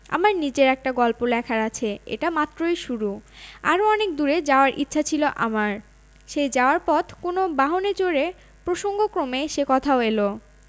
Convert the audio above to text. আমার নিজের একটা গল্প লেখার আছে এটা মাত্রই শুরু আরও অনেক দূরে যাওয়ার ইচ্ছা এছিল আমার সেই যাওয়ার পথ কোন বাহনে চড়ে প্রসঙ্গক্রমে সে কথাও এল